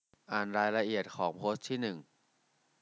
อ่านรายละเอียดของโพสต์ที่หนึ่ง